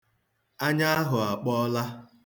Anya ahụ akpọọla.